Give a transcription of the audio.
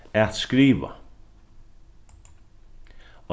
at skriva